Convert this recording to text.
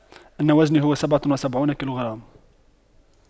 أن وزني هو سبعة وسبعون كيلوغرام